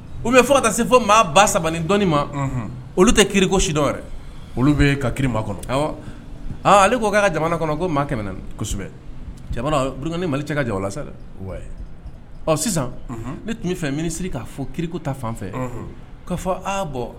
U bɛ fɔ ka taa se fɔ maa ba saba dɔnniɔni ma olu tɛ kiriku sidɔn olu bɛ ka kirinba kɔnɔ aaa ale ko' ka jamana kɔnɔ ko maa kɛmɛ kosɛbɛ mali cɛ ka jala sa dɛ ɔ sisan ne tun bɛ fɛ minisiri k'a fɔ kiriku ta fan fɛ ka fɔ bɔn